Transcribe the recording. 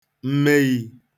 mmeyī